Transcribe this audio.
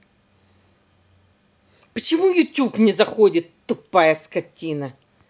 почему youtube не заходит тупая скотина